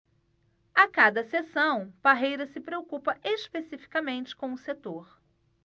a cada sessão parreira se preocupa especificamente com um setor